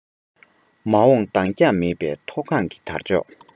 མ འོངས འདང རྒྱག མེད པའི མཐོ སྒང གི དར ལྕོག